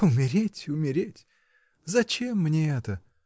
— Умереть, умереть: зачем мне это?